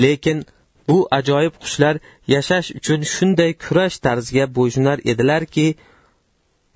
lekin bu ajoyib qushlar yashash uchun shunday kurash tarziga bo'ysunar edilarki